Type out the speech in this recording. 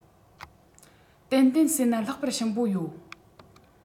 ཏན ཏན བཟས ན ལྷག པར ཞིམ པོ ཡོད